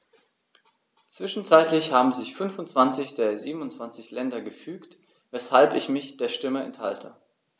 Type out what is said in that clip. Zwischenzeitlich haben sich 25 der 27 Länder gefügt, weshalb ich mich der Stimme enthalte.